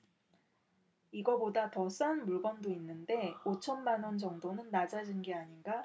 이거보다 더 싼 물건도 있는데 오 천만 원 정도는 낮아진 게 아닌가